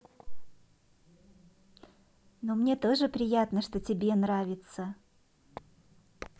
ну мне тоже приятно что тебе нравится